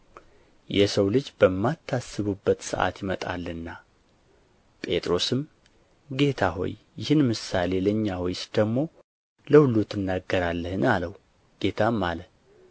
የሰው ልጅ በማታስቡበት ሰዓት ይመጣልና ጴጥሮስም ጌታ ሆይ ይህን ምሳሌ ለእኛ ወይስ ደግሞ ለሁሉ ትናገራለህን አለው ጌታም አለ